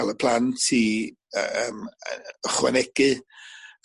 ca'l y plant i yy yym yy ychwanegu